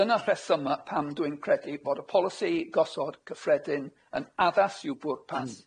Dyna'r rhesymau pam dwi'n credu bod y polisi gosod cyffredin yn addas i'w bwrpas,